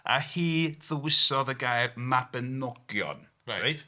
A hi ddewisiodd y gair Mabiniogion... Reit.